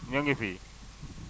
ñu ngi fi